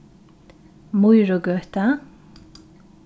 mýrugøta